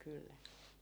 kyllä